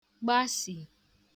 gbasì